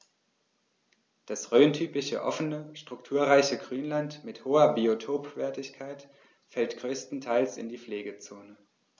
Das rhöntypische offene, strukturreiche Grünland mit hoher Biotopwertigkeit fällt größtenteils in die Pflegezone.